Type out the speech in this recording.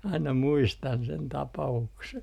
aina muistan sen tapauksen